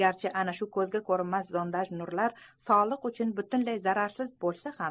garchi ana shu ko'zga ko'rinmas zondaj nurlar sog'liq uchun butunlay zararsiz bo'lsa ham